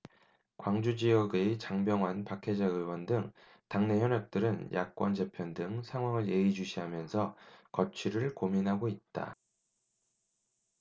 광주지역의 장병완 박혜자 의원 등 당내 현역들은 야권 재편 등 상황을 예의주시하면서 거취를 고민하고 있다